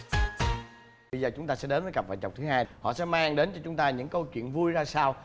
bây giờ chúng ta sẽ đến với cặp vợ chồng thứ hai họ sẽ mang đến cho chúng ta những câu chuyện vui ra sao